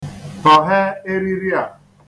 Tọhee eriri a.